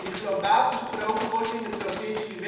globaal gesproken wordt in de provincie